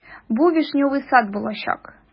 Бу "Вишневый сад" булачак.